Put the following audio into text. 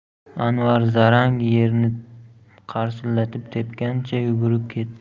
anvar zarang yerni qarsillatib tepgancha yugurib ketdi